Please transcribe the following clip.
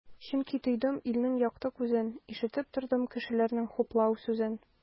Чөнки тойдым илнең якты күзен, ишетеп тордым кешеләрнең хуплау сүзен.